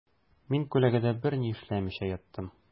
Мин күләгәдә берни эшләмичә яттым.